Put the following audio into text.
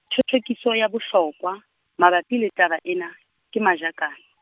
thothokiso ya bohlokwa, mabapi le taba ena, ke Majakane.